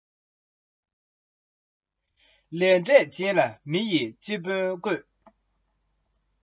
སྤྱང ཀི དགའ ཡང ལུག རྫི ཉན མདོག མེད